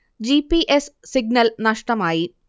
ജീ P S signal നഷ്ടമായി